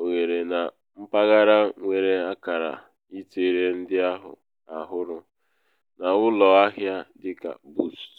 oghere na mpaghara nwere akara yitere ndị ahụ ahụrụ n’ụlọ ahịa dị ka Boots.